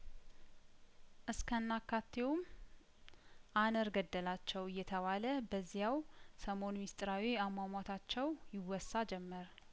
እስከናካቴውም አነር ገደላቸው እየተባለ በዚያው ሰሞን ምስጢራዊ አሟሟታቸው ይወሳ ጀመር